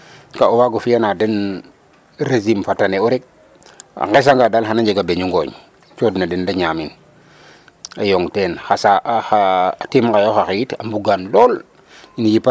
ka o waag o fi'an a den régime fa tane'u rek a nqesanga daal xan a njega beñuwar ngooñ cooxna den de ñaamin a yong teen xa sa xaa tim ngayoox axe it a mbugaan lool.